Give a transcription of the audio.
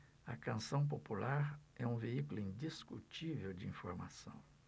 a canção popular é um veículo indiscutível de informação